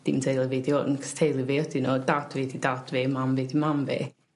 dim teulu fi 'di 'wn 'ch's teulu fi ydyn n'w dad fi 'di dad fi mam fi 'di mam fi.